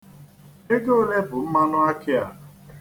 Ego ole bụ mmanụakị a?